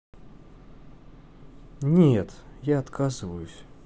нет я отказываюсь